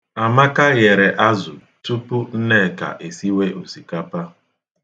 Amaka ghere azụ tupu Nneka esiwe osikapa.